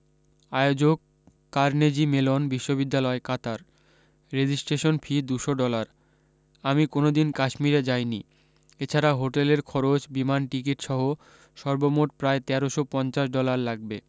আয়োজক Carnegie Mellon বিশ্ববিদ্যালয় Qatar registration fee দুশো ডলার আমি কোনো দিন কাশ্মীরে যাইনি এছাড়া হোটেলের খরচ বিমান টিকিট সহ সর্বমোট প্রায় তেরোশ পঞ্চাশ ডলার লাগবে